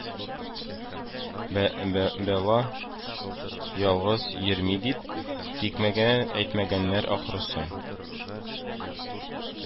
Бәла ялгыз йөрми, дип, тикмәгә әйтмәгәннәр, ахрысы